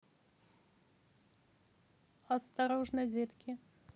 осторожно детки